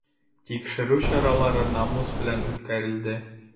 Тикшерү чаралары намус белән үткәрелде.